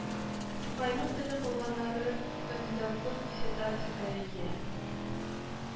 Тукайның теле , калганнары кандидатлык диссертацияләре Я